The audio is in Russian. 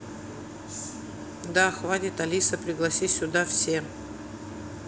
да хватит алиса пригласи сюда все